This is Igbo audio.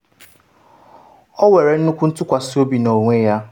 “Ọ nwere nnukwu ntụkwasị obi n’onwe ya.